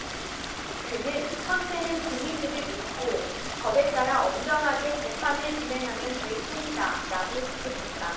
그는 헌재는 국민들을 믿고 법에 따라 엄정하게 재판을 진행하면 될 뿐이다라고 덧붙였다